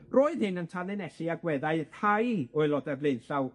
Roedd hyn yn tanlinellu agweddai rhai o aelode flaenllaw